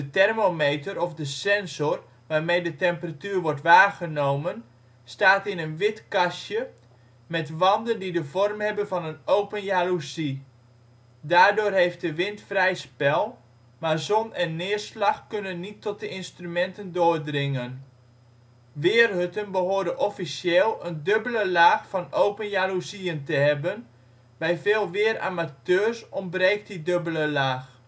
thermometer of de sensor, waarmee de temperatuur wordt waargenomen, staat in een wit kastje met wanden die de vorm hebben van een open jaloezie. Daardoor heeft de wind vrij spel, maar zon en neerslag kunnen niet tot de instrumenten doordringen. Weerhutten behoren officieel een dubbele laag van open jaloezieën te hebben. Bij veel weeramateurs ontbreekt die dubbele laag